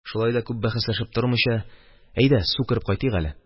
Шулай да, күп бәхәсләшеп тормыйча, әйдә, су кереп кайтыйк әле.